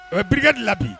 Ɔ pere la bi